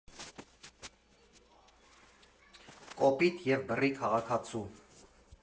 Կոպիտ և բռի քաղաքացու։